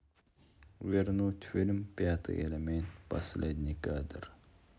вернуть фильм пятый элемент последний кадр